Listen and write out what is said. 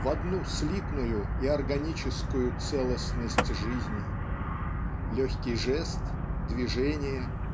в одну слитную и органическую целостность жизни. Легкий жест движение